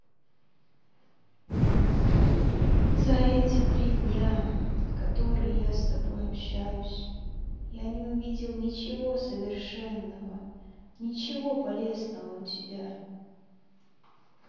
за эти три дня которые я с тобой общаюсь я не увидел ничего совершенного ничего полезного у тебя